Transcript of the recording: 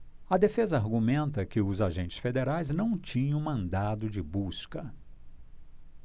a defesa argumenta que os agentes federais não tinham mandado de busca